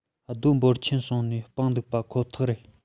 རྡོ འབོར ཆེན བྱུང ནས སྤུངས འདུག པ ཁོ ཐག རེད